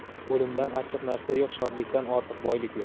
o'limdan achchiq narsa yo'q shodlikdan ortiq boylik yo'q